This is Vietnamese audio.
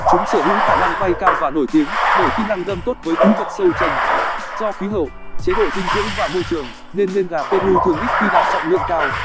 chúng sở hữu khả năng bay cao và nổi tiếng bởi kỹ năng đâm tốt với cú bật sâu chân do khí hậu chế độ dinh dưỡng và môi trường nên nên gà peru thường ít khi đạt trọng lượng cao